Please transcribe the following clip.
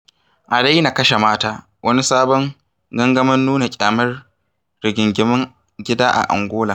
A daina kashe mata - wani sabon gangamin nuna ƙyamar rigingimun gida a Angola.